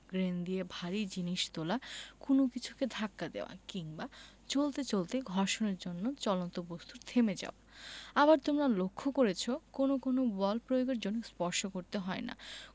crane দিয়ে ভারী জিনিস তোলা কোনো কিছুকে ধাক্কা দেওয়া কিংবা চলতে চলতে ঘর্ষণের জন্য চলন্ত বস্তুর থেমে যাওয়া আবার তোমরা লক্ষ করেছ কোনো কোনো বল প্রয়োগের জন্য স্পর্শ করতে হয় না